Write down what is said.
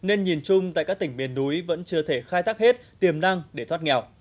nên nhìn chung tại các tỉnh miền núi vẫn chưa thể khai thác hết tiềm năng để thoát nghèo